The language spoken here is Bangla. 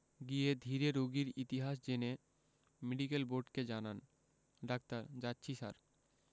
গিয়ে ধীরে রোগীর ইতিহাস জেনে মেডিকেল বোর্ডকে জানান ডাক্তার যাচ্ছি স্যার